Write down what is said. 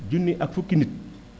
junni ak fukki nit